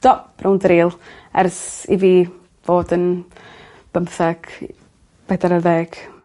Do ers i fi fod yn bymtheg peder ar ddeg